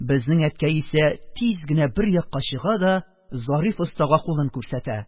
Безнең әткәй исә тиз генә бер якка чыга да Зариф остага кулын күрсәтә: